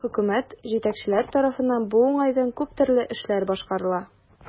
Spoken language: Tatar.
Хөкүмәт, җитәкчеләр тарафыннан бу уңайдан күп төрле эшләр башкарыла.